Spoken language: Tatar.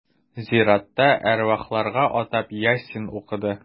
Зиратта әрвахларга атап Ясин укыды.